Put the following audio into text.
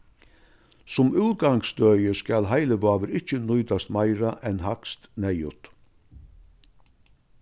sum útgangsstøði skal heilivágur ikki nýtast meira enn hægst neyðugt